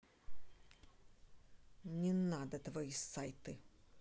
не надо твои сайты